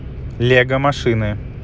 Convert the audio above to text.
лего машины